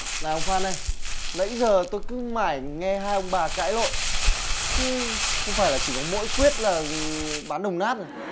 mà ông phan ơi nãy giờ tôi cứ mải nghe hai ông bà cãi lộn thế không phải là chỉ có mỗi quyết là bán đồng nát